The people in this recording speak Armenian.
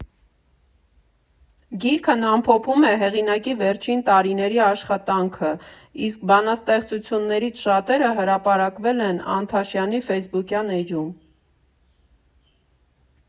Գիրքն ամփոփում է հեղինակի վերջին տարիների աշխատանքը, իսկ բանաստեղծություններից շատերը հրապարակվել են Անտաշյանի ֆեյսբուքյան էջում։